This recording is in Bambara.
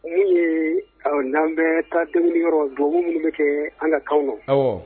Min yee awɔ n'an bɛɛ taa deŋuliyɔrɔ duwawu minnu be kɛɛ an' ka kanw nɔ awɔ